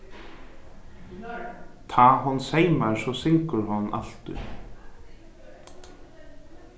tá hon seymar so syngur hon altíð